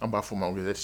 An b'a fɔ' ma wele